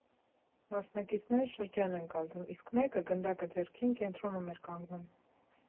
Մասնակիցները շրջան են կազմում, իսկ մեկը՝ գնդակը ձեռքին, կենտրոնում էր կանգնում։